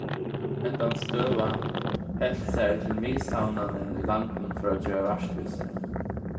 henda støða helt sær til miðsavnanin í landinum fór at gera vart við seg